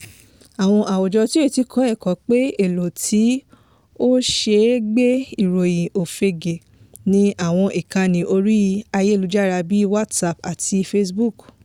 Àwọn àwùjọ kò tíì kọ́ ẹ̀kọ́ pé èlò tí ó ṣe é gbé ìròyìn òfegè ni àwọn ìkànnì orí ayélujára bíi WhatsApp àti Facebook.